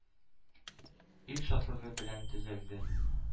Ил шатлыгы белән төзәлде